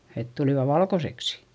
että tulivat valkoiseksi